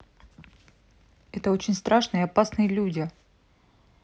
это очень страшные и опасные люди